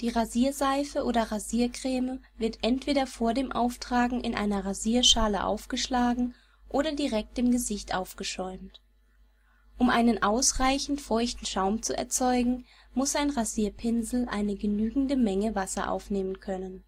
Rasierseife oder Rasiercreme wird entweder vor dem Auftragen in einer Rasierschale aufgeschlagen oder direkt im Gesicht aufgeschäumt. Um einen ausreichend feuchten Schaum zu erzeugen, muss ein Rasierpinsel eine genügende Menge Wasser aufnehmen können